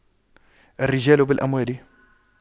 الرجال بالأموال